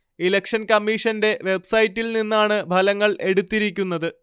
election കമ്മീഷന്റെ web സൈറ്റിൽ നിന്നാണ് ഫലങ്ങൾ എടുത്തിരിക്കുന്നത്